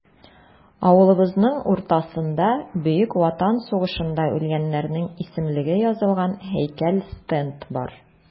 Авылыбызның уртасында Бөек Ватан сугышында үлгәннәрнең исемлеге язылган һәйкәл-стенд бар.